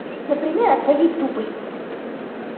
например о твоей тупости